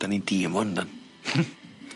Dan ni'n dîm ŵan yndan?